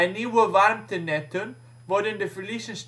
nieuwe warmtenetten worden de verliezen